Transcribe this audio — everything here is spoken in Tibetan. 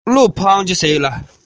བཟོས རྗེས རྔོན པ ཞིག དང འདྲ བར